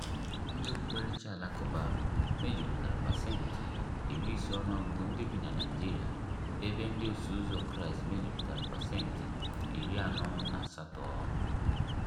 Ndị okpukpere Alakụba mejupụtara pasentị 50 ọnụọgụgụ ndị bi na Naịjirịa ebe Ndị Osoụzọ Kraịstị mejupụtara pasentị 48.